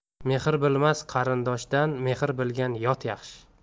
mehr bilmas qarindoshdan mehr bilgan yot yaxshi